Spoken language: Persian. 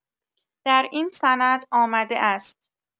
در این سند آمده است